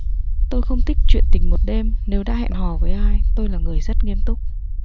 tôi không thích chuyện tình một đêm nếu đã hẹn hò với ai tôi là người rất nghiêm túc